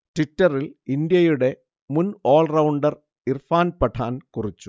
ട്വിറ്ററിൽ ഇന്ത്യയുടെ മുൻ ഓൾറൗണ്ടർ ഇർഫാൻ പഠാൻ കുറിച്ചു